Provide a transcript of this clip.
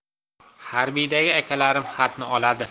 harbiydagi akalarim xatni oladi